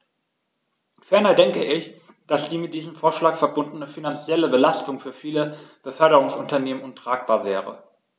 Ferner denke ich, dass die mit diesem Vorschlag verbundene finanzielle Belastung für viele Beförderungsunternehmen untragbar wäre.